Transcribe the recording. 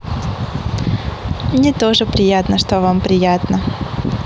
мне тоже приятно что вам приятно